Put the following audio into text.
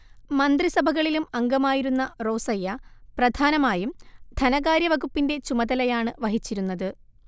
മന്ത്രിസഭകളിലും അംഗമായിരുന്ന റോസയ്യ പ്രധാനമായും ധനകാര്യവകുപ്പിന്റെ ചുമതലയാണ് വഹിച്ചിരുന്നത്